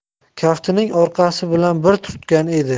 kaftining orqasi bilan bir turtgan edi